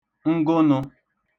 ngụnụ̄